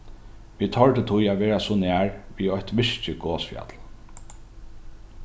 vit tordu tí at vera so nær við eitt virkið gosfjall